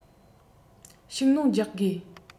ཤུགས སྣོན རྒྱག དགོས